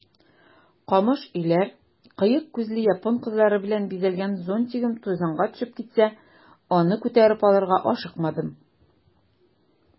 Камыш өйләр, кыек күзле япон кызлары белән бизәлгән зонтигым тузанга төшеп китсә, аны күтәреп алырга ашыкмадым.